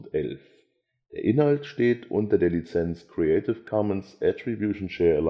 Der Inhalt steht unter der Lizenz Creative Commons Attribution Share